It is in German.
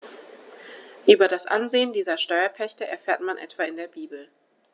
Über das Ansehen dieser Steuerpächter erfährt man etwa in der Bibel.